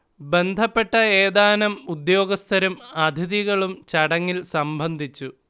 ബന്ധപ്പെട്ട ഏതാനും ഉദേൃാഗസ്ഥരും അതിഥികളും ചടങ്ങിൽ സംബന്ധിച്ചു